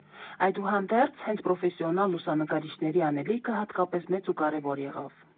Այդուհանդերձ, հենց պրոֆեսիոնալ լուսանկարիչների անելիքը հատկապես մեծ ու կարևոր եղավ։